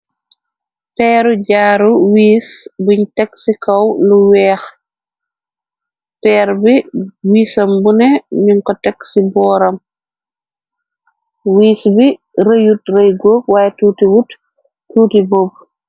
Peeru jaaru wiis buñ teg ci kaw lu weex peer bi wiisam bune ñun ko teg ci booram wiis bi rëyut rëy goog waaye tuutiwoot tuuti bobu.